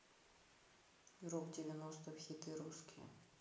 рок девяностых хиты русские